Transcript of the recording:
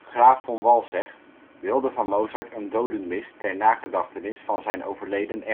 Graaf Von Walsegg wilde van Mozart een dodenmis ter nagedachtenis van zijn overleden